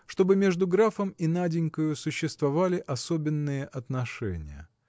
чтобы между графом и Наденькою существовали особенные отношения.